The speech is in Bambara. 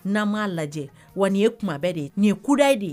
N'an m'a lajɛ wa ye kuma bɛɛ de ye nin ye ko ye de ye